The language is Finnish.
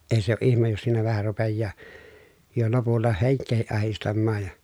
ei se ole ihme jos siinä vähän rupeaa jo lopulla henkeäkin ahdistamaan ja